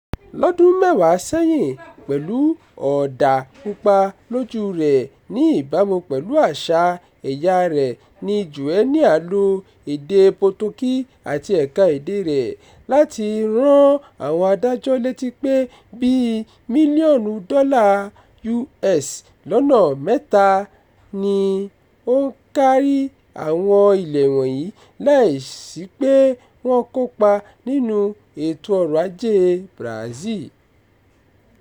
Lọ́dún mẹ́wàá sẹ́yìn, pẹ̀lú ọ̀dà pupa lójúu rẹ̀, ní ìbámu pẹ̀lú àṣà ẹ̀yàa rẹ̀ ni Joenia lo èdè Portuguese àti ẹ̀ka-èdèe rẹ̀ láti rán àwọn adájọ́ létí pé bíi mílíọ̀nù dọ́là US lọ́nà mẹ́ta ni ó ń kárí àwọn ilẹ̀ wọ̀nyí láìsí pé wọ́n kópa nínú ètò ọrọ̀-ajée Brazil.